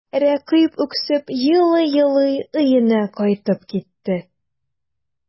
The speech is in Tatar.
Рәкыйп үксеп елый-елый өенә кайтып китте.